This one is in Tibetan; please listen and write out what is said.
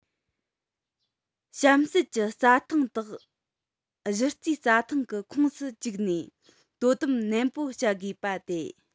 གཤམ གསལ གྱི རྩྭ ཐང དག གཞི རྩའི རྩྭ ཐང གི ཁོངས སུ བཅུག ནས དོ དམ ནན པོ བྱ དགོས པ སྟེ